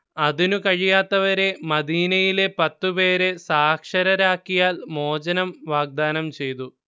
അതിന് കഴിയാത്തവരെ മദീനയിലെ പത്ത് പേരെ സാക്ഷരരാക്കിയാൽ മോചനം വാഗ്ദാനം ചെയ്തു